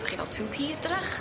'Dych chi fel two peas dydach?